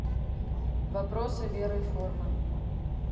вопросы веры и фомы